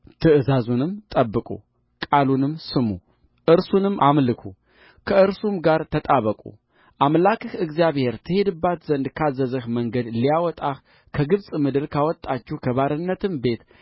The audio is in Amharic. ትእዛዙንም ጠብቁ ቃሉንም ስሙ እርሱንም አምልኩ ከእርሱም ጋር ተጣበቁ አምላክህ እግዚአብሔር ትሄድባት ዘንድ ካዘዘህ መንገድ ሊያወጣህ ከግብፅ ምድር ካወጣችሁ ከባርነትም ቤት